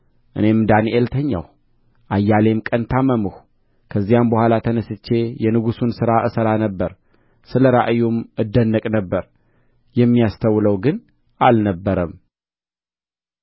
እኔም ዳንኤል ተኛሁ አያሌም ቀን ታመምሁ ከዚያም በኋላ ተነሥቼ የንጉሡን ሥራ እሠራ ነበር ስለ ራእዩም አደንቅ ነበር የሚያስተውለው ግን አልነበረም